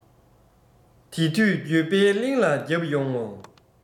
དེ དུས འགྱོད པའི གླིང ལ བརྒྱབ ཡོང ངོ